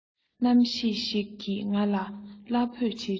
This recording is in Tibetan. རྣམ ཤེས ཤིག གིས ང ལ བླ འབོད བྱེད བྱུང